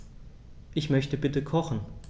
Ich möchte bitte kochen.